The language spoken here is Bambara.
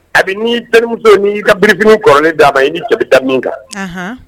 Kabini ni terimuso ni ye i ka birifinin kɔrɔ d'a ma i ni cɛ bi da min kan.